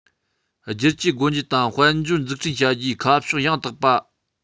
བསྒྱུར བཅོས སྒོ འབྱེད དང དཔལ འབྱོར འཛུགས སྐྲུན བྱ རྒྱུའི ཁ ཕྱོགས ཡང དག པ དེད དེ གོང དུ སྤེལ བར འགན ལེན བྱེད